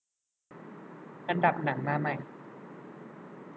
อันดับหนังมาใหม่